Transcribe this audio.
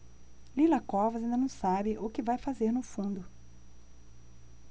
lila covas ainda não sabe o que vai fazer no fundo